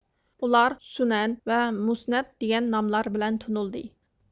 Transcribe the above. ئۇلار سۈنەن ۋە مۇسنەد دىگەن ناملار بىلەن تونۇلدى